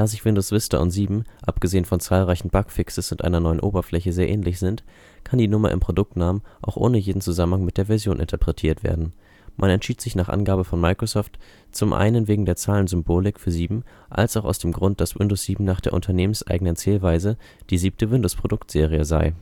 sich Windows Vista und 7, abgesehen von zahlreichen Bugfixes und einer neuen Oberfläche, sehr ähnlich sind, kann die Nummer im Produktnamen auch ohne jeden Zusammenhang mit der Version interpretiert werden: Man entschied sich nach Angabe von Microsoft zum einen wegen der Zahlensymbolik für Sieben, als auch aus dem Grund, dass Windows 7 nach der unternehmenseigenen Zählweise die siebte Windows-Produktserie sei